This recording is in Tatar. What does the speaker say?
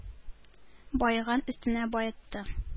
Баеган өстенә баетты.